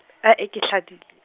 ha e ke hladile.